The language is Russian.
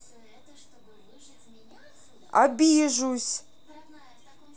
обижусь